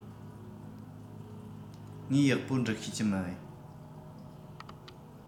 ངས ཡག པོ འབྲི ཤེས ཀྱི མ རེད